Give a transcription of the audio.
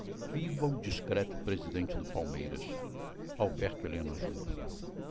viva o discreto presidente do palmeiras alberto helena junior